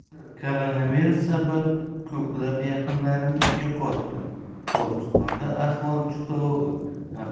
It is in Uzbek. koronavirus sabab ko'plab yaqinlarimni yo'qotdim dog'istonda ahvol